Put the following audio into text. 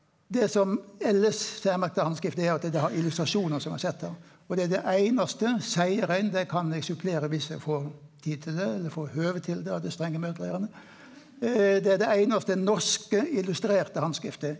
det som elles særmerkte handskriftet er at det har illustrasjonar som vi har sett der og det er det einaste seier ein, det kan eg supplere viss eg får tid til det eller får høve til det av det strenge møteleiarane, det er det einaste norske illustrerte handskriftet.